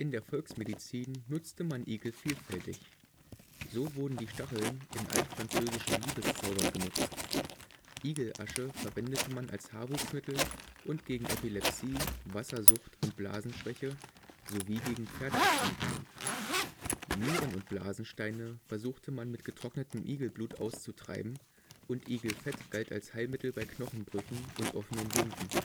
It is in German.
der Volksmedizin nutzte man Igel vielfältig. So wurden die Stacheln in altfranzösischen Liebeszaubern genutzt. Igelasche verwendete man als Haarwuchsmittel und gegen Epilepsie, Wassersucht und Blasenschwäche sowie gegen Pferdeerkrankungen. Nieren - und Blasensteine versuchte man mit getrocknetem Igelblut auszutreiben und Igelfett galt als Heilmittel bei Knochenbrüchen und offenen Wunden